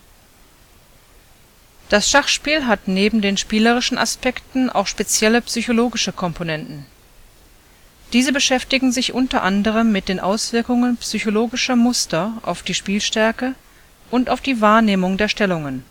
Das Schachspiel hat neben den spielerischen Aspekten auch spezielle psychologische Komponenten. Diese beschäftigen sich unter anderem mit den Auswirkungen psychologischer Muster auf die Spielstärke und auf die Wahrnehmung der Stellungen